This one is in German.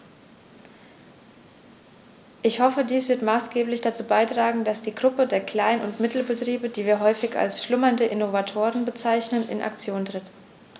Ich hoffe, dies wird maßgeblich dazu beitragen, dass die Gruppe der Klein- und Mittelbetriebe, die wir häufig als "schlummernde Innovatoren" bezeichnen, in Aktion tritt.